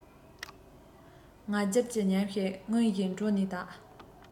ང རྒྱལ གྱི ཉམས ཤིག མངོན བཞིན གྲོ ནས དག